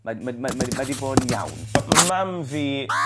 Mae mae mae 'di mae 'di bod yn iawn. By- ma' mam fi